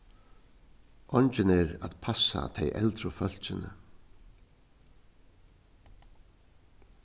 eingin er at passa tey eldru fólkini